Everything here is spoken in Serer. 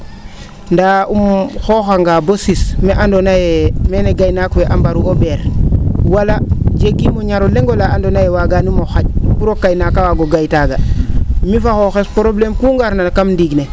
ndaa um xooxanga boo sis mee andoona yee meene gaynaak we a mbaru o ?eer wala jegiim o ñaro le? ola andoona yee waaganumo xa? pour o kaynaak a waago gay taaga mi fo xooxes probleme ku ngarna kam ndiig ne .